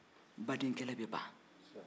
badenkɛlɛ bɛ ban